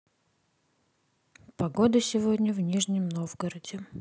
погода сегодня в нижнем новгороде